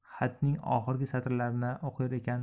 xatning oxirgi satrlarini o'qir ekan